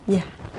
Ia.